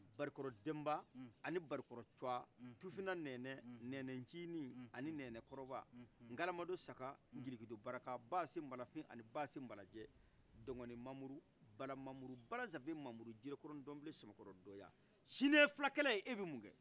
bari kɔrɔ dɛnba ani bari kɔrɔ cua tufinna nɛnɛ nɛnɛ cinni ani nɛnɛ kɔrɔba ŋalamado saka ŋilikido baraka baa senbalafin ani baa senbalajɛ dɔgɔni mamuru bala mamuru bala zafe mamuru jirekɔrɔ ndɔnbile samakɔrɔ dɔya sini ye fila kɛlɛ y' ebi mun kɛ